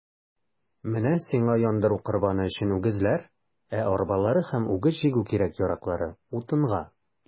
Менә сиңа яндыру корбаны өчен үгезләр, ә арбалары һәм үгез җигү кирәк-яраклары - утынга.